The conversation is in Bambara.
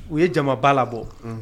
U ye jamaba labɔ